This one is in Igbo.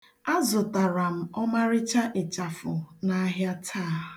A zụtara m ọmarịcha ịchafụ n'ahịa taa.